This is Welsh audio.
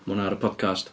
Ma' hwnna ar y podcast.